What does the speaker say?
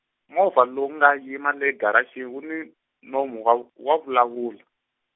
movha lowu nga yima le garachi wu ni nomu wa wa vulavula.